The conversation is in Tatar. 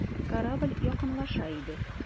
Корабль якынлаша иде.